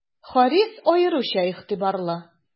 Харис аеруча игътибарлы.